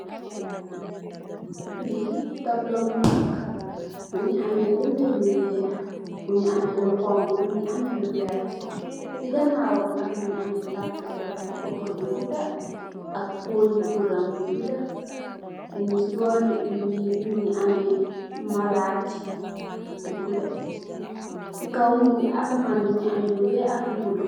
Fi tablo bo maag mogi ame binda yu weex mongi ame lu xonxu mongi ame lu werta si ganawam nak mongi ame tati garab yu coco yu guda ak poli kuran yu gud mung si bori li mongi ame marag bu guda si kaw asaman bi mongi ame lu weex ak lu bulu.